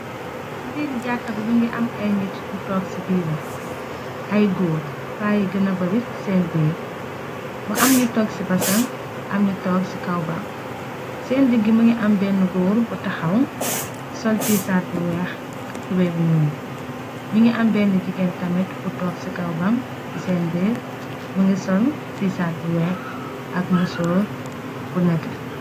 Ci biir jàaka bi mi ngi am ay nit yu togg ci biiram, ay góor paayyi gëna bari seen birr, mu am ñu tog ci basaŋ, am ñu togg ci kawbaŋ, seen diggi mi ngi am benne góor bu taxaw, sol tiisaat bu weex, tubey bu ñuul, ñi ngi am benne jigeen tamit bu togg ci kawbaŋ ci seen biir, më ngi sol tiisaat bu weex ak musoor bu nete.